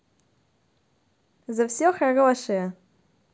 за все хорошее